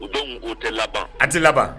O don tɛ laban a tɛ laban